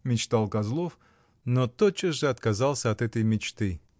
— мечтал Козлов, но тотчас же отказался от этой мечты.